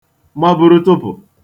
maburutụpụ̀